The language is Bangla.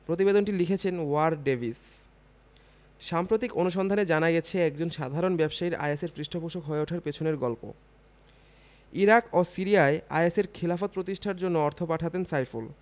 প্রতিবেদনটি লিখেছেন ওয়্যার ডেভিস সাম্প্রতিক অনুসন্ধানে জানা গেছে একজন সাধারণ ব্যবসায়ীর আইএসের পৃষ্ঠপোষক হয়ে ওঠার পেছনের গল্প ইরাক ও সিরিয়ায় আইএসের খিলাফত প্রতিষ্ঠার জন্য অর্থ পাঠাতেন সাইফুল